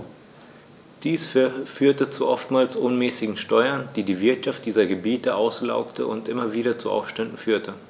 Dies führte zu oftmals unmäßigen Steuern, die die Wirtschaft dieser Gebiete auslaugte und immer wieder zu Aufständen führte.